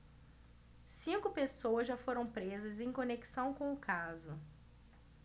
cinco pessoas já foram presas em conexão com o caso